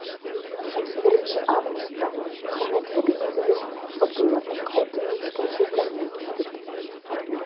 31 августта хөрмәтле бөегебез габдулла тукай туып үскән җирләрне гиздек.